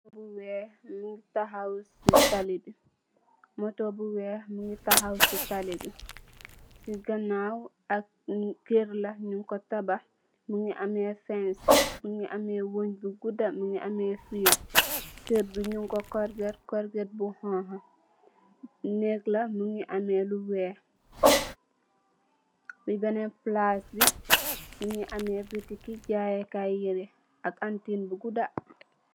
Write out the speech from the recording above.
Moto bu weex mogi taxaw si talibi moto bu weex mogi taxaw si talibi si ganaw ak keur la nung ko tabax mogi ameh fence mogi ameh wung bu guda mogi ameh fill keur bi nyun ko kurkeet kurjeet bu xonxa neeg la mogi ameh lu weex si benen palac bi mogi ameh boutique jayeh kai yereh ak anten bu guda.